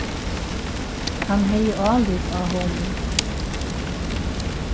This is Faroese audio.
hann hevði álit á honum